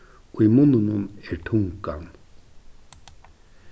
í munninum er tungan